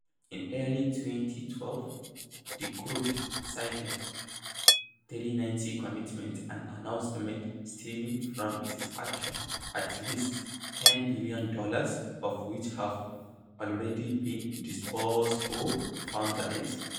In early 2018, the group cited 390 commitments and announcements stemming from its actions, at least $10 billion of which have already been disbursed or fundraised.